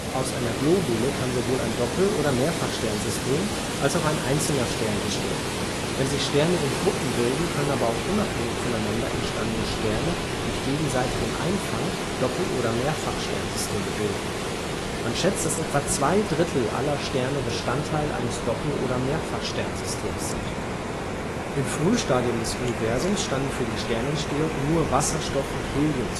Aus einer Globule kann sowohl ein Doppel - oder Mehrfachsternsystem als auch ein einzelner Stern entstehen. Wenn sich Sterne in Gruppen bilden, können aber auch unabhängig voneinander entstandene Sterne durch gegenseitigen Einfang Doppel - oder Mehrfachsternsysteme bilden. Man schätzt, dass etwa zwei Drittel aller Sterne Bestandteil eines Doppel - oder Mehrfachsternsystems sind. Im Frühstadium des Universums standen für die Sternentstehung nur Wasserstoff und Helium